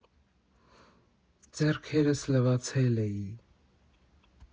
Ձեռքերս լվացել էի։